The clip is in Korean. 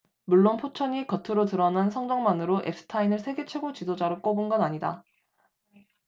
물론 포천이 겉으로 드러난 성적만으로 엡스타인을 세계 최고 지도자로 꼽은 건 아니다